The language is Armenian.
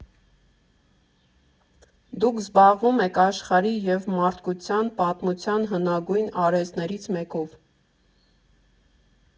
Դուք զբաղվում եք աշխարհի և մարդկության պատմության հնագույն արհեստներից մեկով։